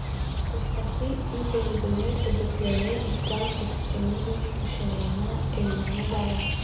Кыскасы, Идел буе төбәкләре ислам экстремизмы учагына әйләнә бара.